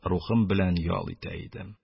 Рухым белән ял итә идем.